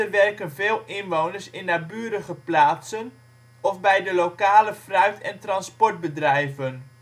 werken veel inwoners in naburige plaatsen of bij de lokale fruit - en transportbedrijven